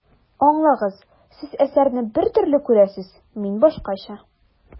Аңлагыз, Сез әсәрне бер төрле күрәсез, мин башкача.